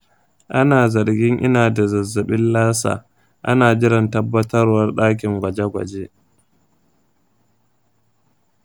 ana zargin ina da zazzabin lassa, ana jiran tabbatarwar dakin gwaje-gwaje.